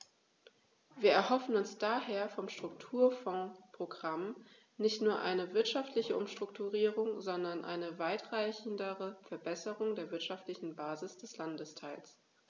Wir erhoffen uns daher vom Strukturfondsprogramm nicht nur eine wirtschaftliche Umstrukturierung, sondern eine weitreichendere Verbesserung der wirtschaftlichen Basis des Landesteils.